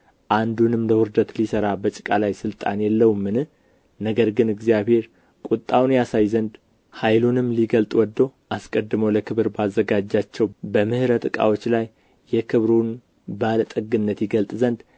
አንዱንም ለውርደት ሊሠራ በጭቃ ላይ ሥልጣን የለውምን ነገር ግን እግዚአብሔር ቍጣውን ሊያሳይ ኃይሉንም ሊገልጥ ወዶ አስቀድሞ ለክብር ባዘጋጃቸው በምሕረት ዕቃዎች ላይ የክብሩን ባለ ጠግነት ይገልጥ ዘንድ